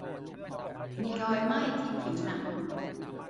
มีรอยไหม้ที่ผิวหนัง